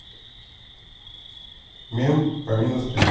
мем по минус три